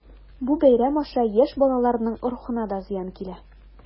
Бу бәйрәм аша яшь балаларның рухына да зыян килә.